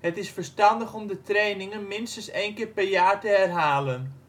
Het is verstandig om de trainingen minstens 1 keer per jaar te herhalen